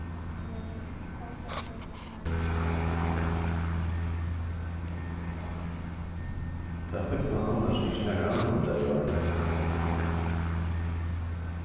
tað fekk mann annars ikki nakran annan dag í árinum